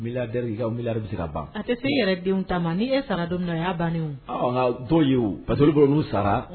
Milliardaire i ka milliard be se ka ban a tɛ to i yɛrɛ denw ta ma ni e sara don minna o y'a bannen ye o ɔɔ ŋa u t'o ye o parce que olu kɔnɔ n'u sara